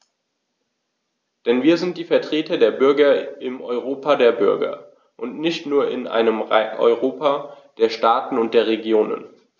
Denn wir sind die Vertreter der Bürger im Europa der Bürger und nicht nur in einem Europa der Staaten und der Regionen.